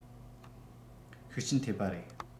ཤུགས རྐྱེན ཐེབས པ རེད